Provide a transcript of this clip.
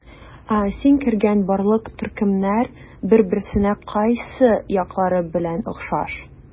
Син кергән барлык төркемнәр бер-берсенә кайсы яклары белән охшаш?